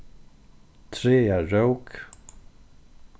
traðarók